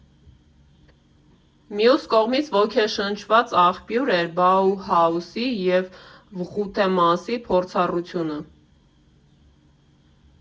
Մյուս կողմից՝ ոգեշնչման աղբյուր էր Բաուհաուսի և Վխուտեմասի փորձառությունը։